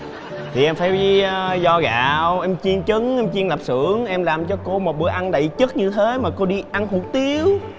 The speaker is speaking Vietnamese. thì em phải vo gạo em chiên trứng chiên lạp xưởng em làm cho cô một bữa ăn đậm chất như thế mà cô đi ăn hủ tiếu